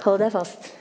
hold deg fast!